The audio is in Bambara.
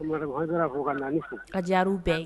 Jari bɛɛ